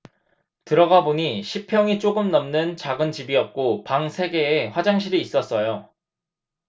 들어가보니 십 평이 조금 넘는 작은 집이었고 방 세 개에 화장실이 있었어요